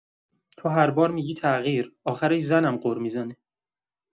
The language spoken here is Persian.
تو هر بار می‌گی تغییر، آخرش زنم غر می‌زنه.